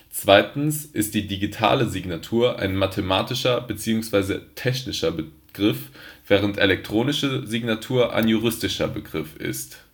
zweitens ist digitale Signatur ein mathematischer bzw. technischer Begriff, während elektronische Signatur ein juristischer Begriff ist